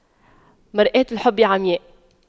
مرآة الحب عمياء